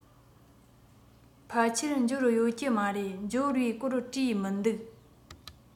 ཕལ ཆེར འབྱོར ཡོད ཀྱི མ རེད འབྱོར བའི སྐོར བྲིས མི འདུག